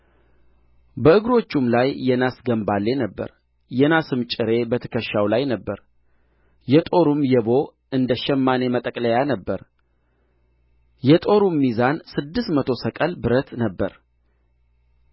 በእግሮቹም ላይ የናስ ገምባሌ ነበረ የናስም ጭሬ በትከሻው ላይ ነበረ የጦሩም የቦ እንደ ሸማኔ መጠቅልያ ነበረ የጦሩም ሚዛን ስድስት መቶ ሰቅል ብረት ነበረ